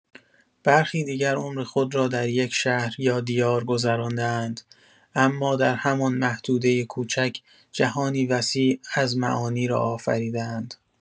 برخی دیگر عمر خود را در یک شهر یا دیار گذرانده‌اند، اما در همان محدوده کوچک، جهانی وسیع از معانی را آفریده‌اند.